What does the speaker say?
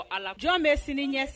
Ala jɔn bɛ sini ɲɛ